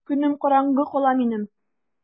Көнем караңгы кала минем!